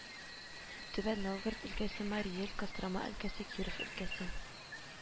Түбән Новгород өлкәсе, Мари эл, Кострома өлкәсе, Киров өлкәсе